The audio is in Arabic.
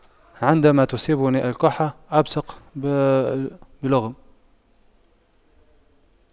عندما تصيبني الكحة ابصق بلغم